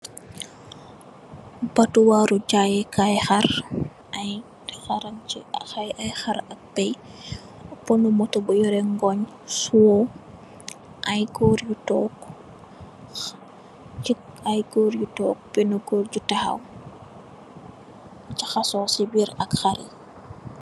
Batuwari jayee kai xaar ay xaar rang si ak ay xaar ak baay ponoomoto bu yerex ay ngoong siwo ay goor bu tog ay goor bu taxaw jaxaso si bi ak xaari.